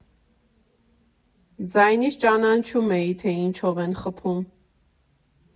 Ձայնից ճանաչում էի, թե ինչով են խփում։